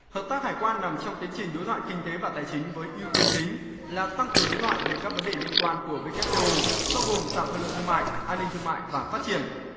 hợp tác hải quan nằm trong tiến trình đối thoại kinh tế và tài chính với ưu tiên chính là tăng cường đối thoại về các vấn đề liên quan của vê kép tê ô bao gồm tạo thuận lợi thương mại an ninh thương mại và phát triển